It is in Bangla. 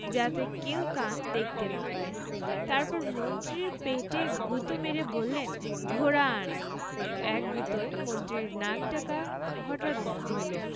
যাতে কেউ কান দেখতে না পায় তারপর মন্ত্রীর পেটে গুতো মেরে বললেন ঘোড়া আন এক গুতোয় মন্ত্রীর নাক ডাকা হঠাৎ বন্ধ হল